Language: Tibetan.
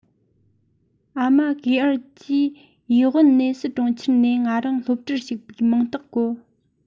ཨ མ ཀེ ཨར གྱིས ཡེ ཧན ནས སི གྲོང ཁྱེར ནས ང རང སློབ གྲྭར ཞུགས པར མིང རྟགས བཀོད